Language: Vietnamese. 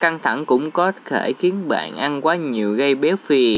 căng thẳng cũng có thể khiến bạn ăn quá nhiều gây béo phì